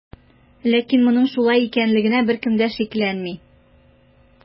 Ләкин моның шулай икәнлегенә беркем дә шикләнми.